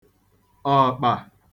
ọ̀kpà